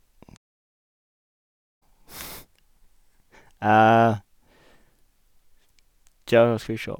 Tja, nå skal vi sjå.